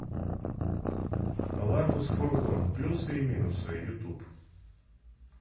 ларгус фургон плюсы и минусы ютуб